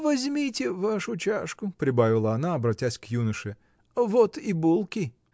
Возьмите вашу чашку, — прибавила она, обратясь к юноше, — вот и булки!